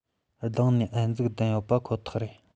སྡང ནས ཨམ གཙིགས བསྡམས ཡོད པ ཁོ ཐག རེད